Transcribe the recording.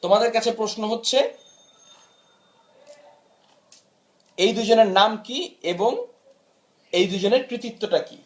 তোমাদের কাছে প্রশ্ন হচ্ছে এই দুজনের নাম কি এবং এই দুজনের কৃতিত্বটা